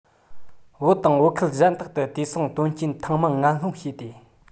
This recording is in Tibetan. བོད དང བོད ཁུལ གཞན དག ཏུ དུས ཟིང དོན རྐྱེན ཐེངས མང ངན སློང བྱས ཏེ